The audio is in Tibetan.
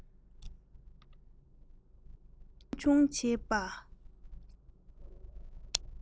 མཐོང ཆུང བྱེད པ